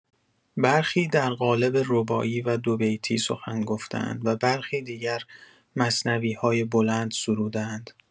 برخی در قالب رباعی و دو بیتی سخن گفته‌اند و برخی دیگر مثنوی‌های بلند سروده‌اند.